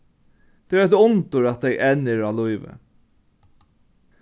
tað er eitt undur at tey enn eru á lívi